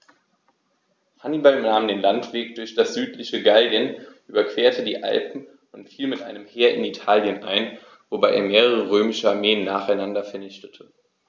Hannibal nahm den Landweg durch das südliche Gallien, überquerte die Alpen und fiel mit einem Heer in Italien ein, wobei er mehrere römische Armeen nacheinander vernichtete.